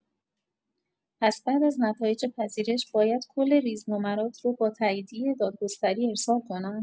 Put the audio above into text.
پس بعد از نتایج پذیرش باید کل ریزنمرات رو با تاییدیه دادگستری ارسال کنم؟